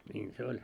niin se oli